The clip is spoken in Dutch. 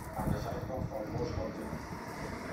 Aan de zuidkant van Voorschoten ligt